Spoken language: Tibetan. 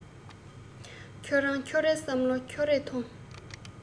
ཁྱོད རང ཁྱོད རའི བསམ བློ ཁྱོད རས ཐོངས